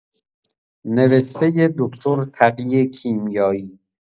نوشتۀ دکتر تقی کیمیایی